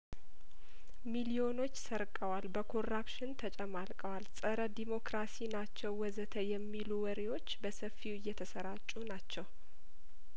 ሚልዮኖች ሰር ቀዋል በኮራፕሽን ተጨማል ቀዋል ጸረ ዴሞክራሲ ናቸው ወዘተ የሚሉ ወሬዎች በሰፊው እየተሰራጩ ናቸው